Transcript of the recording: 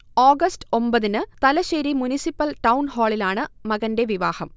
August ഒമ്പതിന് Thalassery municipal ടൗൺഹാളിലാണ് മകന്റെ വിവാഹം